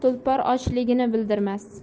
tulpor ochligini bildirmas